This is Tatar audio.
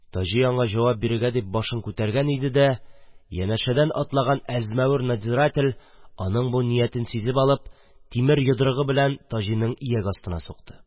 Таҗи аңа җавап бирергә дип башын күтәргән иде дә, янәшәдә атлаган әзмәвер надзиратель аның бу ниятен сизеп алып, тимер йодрыгы белән Таҗиның ияк астына сукты.